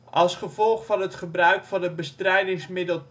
als gevolg van gebruik van het bestrijdingsmiddel